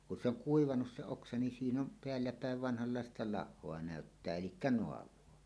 kun se on kuivanut se oksa niin siinä on päälläpäin vanhanlaista lahoa näyttää eli naavaa